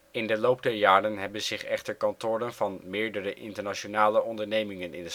In de loop der jaren hebben zich echter kantoren van meerdere (internationale) ondernemingen in